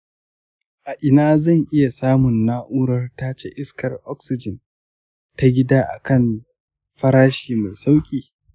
a ina zan iya samun na'urar tace iskar oxygen ta gida akan farashi mai sauƙi?